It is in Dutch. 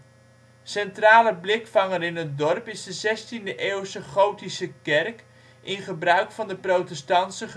Centrale blikvanger in het dorp is de 16e-eeuwse gotische kerk (in gebruik van de Protestantse